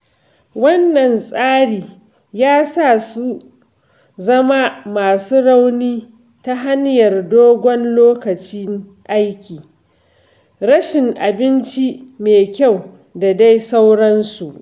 Wannan tsari yana sa su zama masu rauni ta hanyar dogon lokacin aiki, rashin abinci me kyau, da dai sauransu.